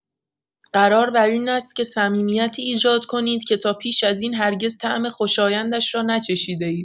قرار بر این است که صمیمیتی ایجاد کنید که تا پیش از این هرگز طعم خوشایندش را نچشیده‌اید.